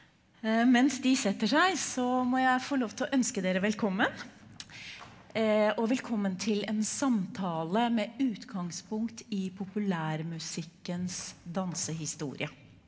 mens de setter seg så må jeg få lov til å ønske dere velkommen og velkommen til en samtale med utgangspunkt i populærmusikkens dansehistorie.